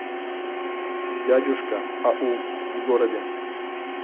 дядюшка ау в городе